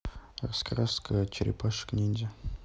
раскраска черепашек ниндзя